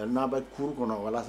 Ali n'a' bɛ court kɔnɔ walas